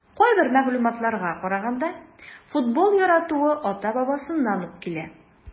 Кайбер мәгълүматларга караганда, футбол яратуы ата-бабасыннан ук килә.